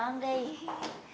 con đi